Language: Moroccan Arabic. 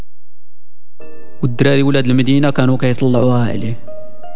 بدري ولد المدينه كانوا يطلعوا عليه